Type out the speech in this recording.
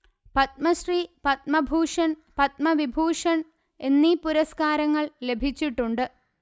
പത്മശ്രീ പത്മഭൂഷൺ പത്മ വിഭൂഷൺ എന്നീ പുരസ്കാരങ്ങൾ ലഭിച്ചിട്ടുണ്ട്